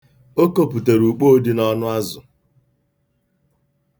O koputere ukpoo dị n'ọnụ azụ.